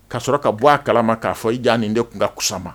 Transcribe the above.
Ka sɔrɔ ka bɔ a kalama k'a fɔ i ja nin de tun ka kuma